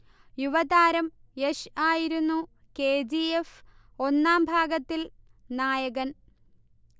യുവതാരം യഷ് ആയിരുന്നു K. G. F. ഒന്നാം ഭാഗത്തിൽ നായകൻ